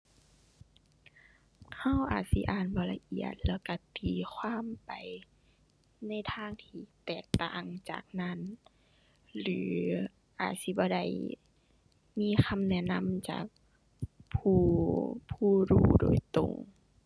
เราอาจสิอ่านบ่ละเอียดแล้วเราตีความไปในทางที่แตกต่างจากนั้น หรืออาจสิบ่ได้ มีคำแนะนำจากผู้ ผู้รู้โดยตรง